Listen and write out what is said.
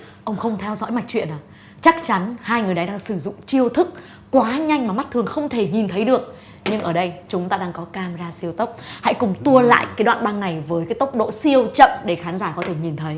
ông không theo dõi mạch truyện à chắc chắn hai người này đang sử dụng chiêu thức quá nhanh mà mắt thường không thể nhìn thấy được nhưng ở đây chúng ta đang có cam me ra siêu tốc hãy cùng tua lại cái đoạn băng này với cái tốc độ siêu chậm để khán giả có thể nhìn thấy